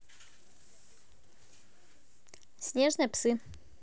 снежные псы